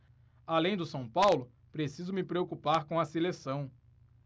além do são paulo preciso me preocupar com a seleção